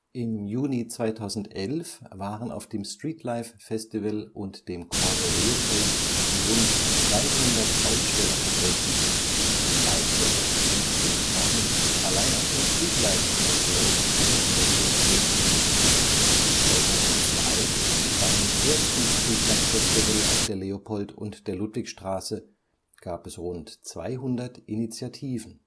Im Juni 2011 waren auf dem Streetlife Festival und dem Corso Leopold rund 200 Aussteller vertreten, im Mai 2015 waren es allein auf dem Streetlife Festival 150. 2002, beim ersten Streetlife Festival auf der Leopold - und der Ludwigstraße, gab es rund 200 Initiativen